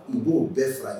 U b'o bɛɛ fara